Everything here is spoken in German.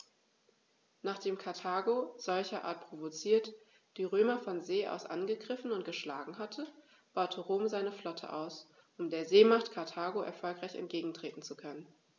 Nachdem Karthago, solcherart provoziert, die Römer von See aus angegriffen und geschlagen hatte, baute Rom seine Flotte aus, um der Seemacht Karthago erfolgreich entgegentreten zu können.